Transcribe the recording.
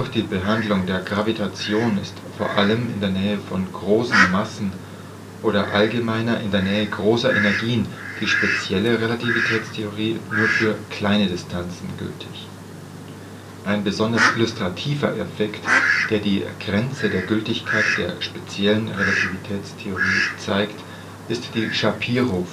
die Behandlung der Gravitation ist vor allem in der Nähe von großen Massen, oder allgemeiner in der Nähe großer Energien, die spezielle Relativitätstheorie nur für kleine Distanzen gültig. Ein besonders illustrativer Effekt, der die Grenze der Gültigkeit der speziellen Relativitätstheorie zeigt, ist die Shapiro-Verzögerung